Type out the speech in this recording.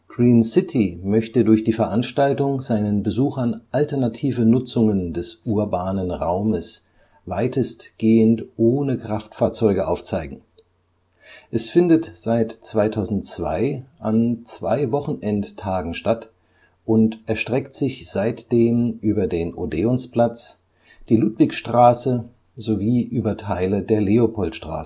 Green City möchte durch die Veranstaltung seinen Besuchern alternative Nutzungen des urbanen Raumes weitestgehend ohne Kraftfahrzeuge aufzeigen. Es findet seit 2002 an zwei Wochenendtagen statt und erstreckt sich seitdem über den Odeonsplatz, die Ludwigstraße sowie über Teile der Leopoldstraße